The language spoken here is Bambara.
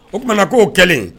O tumana na k'o kɛlen